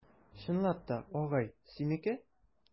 Чынлап та, агай, синеке?